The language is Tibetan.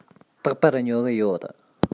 རྟག པར ཉོ གི ཡོད